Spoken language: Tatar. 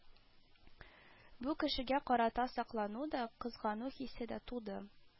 Бу кешегә карата соклану да, кызгану хисе дә туды